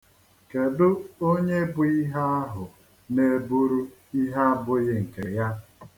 Kedu onye bụ ihe ahụ na-eburu ihe abụghị nke ya.